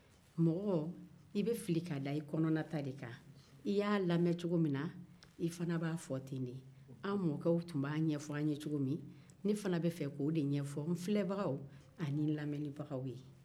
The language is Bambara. mɔgɔ i bɛ fili ka da i kɔnɔnata de kan i y'a lamɛn cogo min na i fana b'a fɔ ten an mɔkɛ tun b'a ɲɛfɔ an ye cogo min ne fana bɛ fɛ k'o de ɲɛfɔ filɛbagaw ani n lamɛnbagaw ye